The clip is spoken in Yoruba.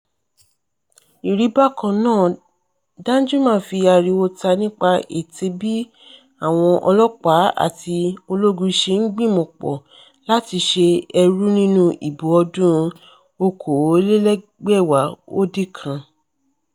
Ìrí-bá-kan-náà, Danjuma fi ariwo ta nípa ète bí àwọn “ọlọ́pàá àti ológun” ṣe ń gbìmọ̀pọ̀ láti ṣe ẹ̀rú nínú ìbò ọdún 2019.